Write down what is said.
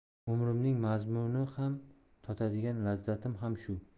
umrimning mazmuni ham totadigan lazzatim ham shu